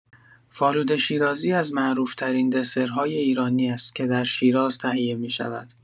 فالوده شیرازی از معروف‌ترین دسرهای ایرانی است که در شیراز تهیه می‌شود.